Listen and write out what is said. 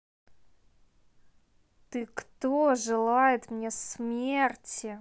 ты кто желает мне смерти